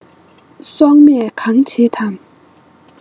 སོག མས གང བྱེད དམ